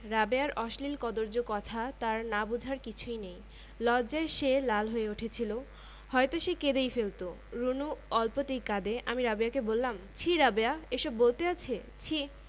হুমায়ুন আহমেদ নন্দিত নরকে রাবেয়া ঘুরে ঘুরে সেই কথা কটিই বার বার বলছিলো রুনুর মাথা নীচু হতে হতে থুতনি বুকের সঙ্গে লেগে গিয়েছিলো আমি দেখলাম তার ফর্সা কান লাল হয়ে উঠছে